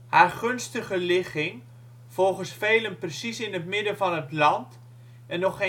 Haar gunstige ligging (volgens velen precies in het midden van het land en nog